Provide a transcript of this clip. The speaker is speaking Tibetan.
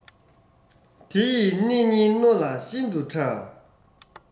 དེ ཡི སྣེ གཉིས རྣོ ལ ཤིན ཏུ ཕྲ